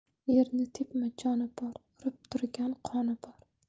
yerni tepma joni bor urib turgan qoni bor